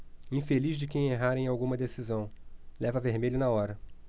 infeliz de quem errar em alguma decisão leva vermelho na hora